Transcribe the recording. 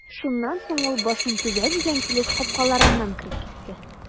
Шуннан соң ул башын түбән игән килеш капкаларыннан кереп китте.